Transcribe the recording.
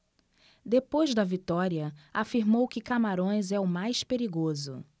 depois da vitória afirmou que camarões é o mais perigoso